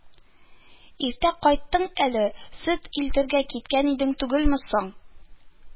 Иртә кайттың әле, сөт илтергә киткән идең түгелме соң